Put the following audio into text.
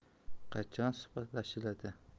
qachon suhbatlashiladi